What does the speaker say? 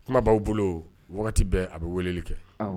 Kuma b' a bolo wagati bɛɛ a bɛ weleli kɛ, aw